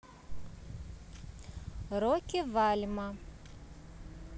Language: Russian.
rocky вальма